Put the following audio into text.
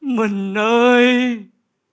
mình ơi